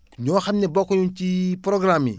ñoo xam ne bokkuén ci programme yi